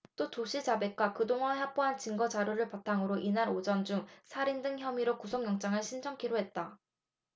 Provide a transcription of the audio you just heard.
또 조씨 자백과 그동안 확보한 증거 자료를 바탕으로 이날 오전 중 살인 등 혐의로 구속영장을 신청키로 했다